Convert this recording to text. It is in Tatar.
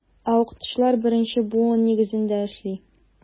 Ә укытучылар беренче буын нигезендә эшли.